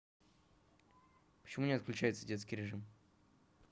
почему не отключается детский режим